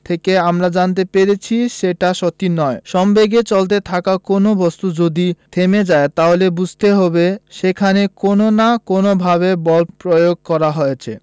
থেকে আমরা জানতে পেরেছি সেটা সত্যি নয় সমবেগে চলতে থাকা কোনো বস্তু যদি থেমে যায় তাহলে বুঝতে হবে সেখানে কোনো না কোনোভাবে বল প্রয়োগ করা হয়েছে